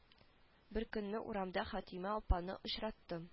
Беркөнне урамда хәтимә апаны очраттым